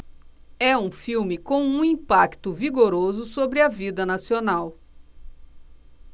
é um filme com um impacto vigoroso sobre a vida nacional